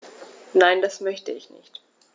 Nein, das möchte ich nicht.